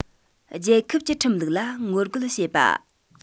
རྒྱལ ཁབ ཀྱི ཁྲིམས ལུགས ལ ངོ རྒོལ བྱེད པ